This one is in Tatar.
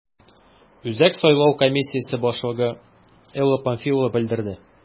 Үзәк сайлау комиссиясе башлыгы Элла Памфилова белдерде: